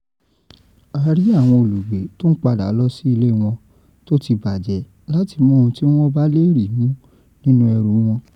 A rí àwọn olùgbé tó ń padà lọ sí ilé wọn tó ti bàjẹ́ láti mú ohun tí wọ́n bá lè rí mú nínú ẹrù wọn.